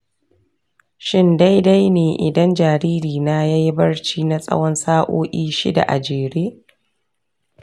shin daidai ne idan jaririna ya yi barci na tsawon sa'o'i shida a jere?